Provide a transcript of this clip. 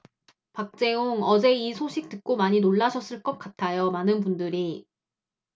박재홍 어제 이 소식 듣고 많이 놀라셨을 것 같아요 많은 분들이